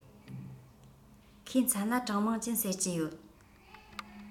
ཁོའི མཚན ལ ཀྲང མིང ཅུན ཟེར གྱི ཡོད